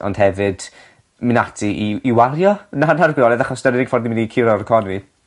ond hefyd mynd ati i w- i wario na achos d'a'r unig ffordd ni mynd i curo'r economi.